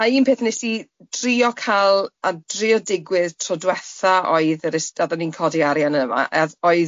...a un peth wnes i drio cael a drio digwydd tro dwetha oedd yr Eisted- a oedden ni'n codi arian yma a- a- oedd yym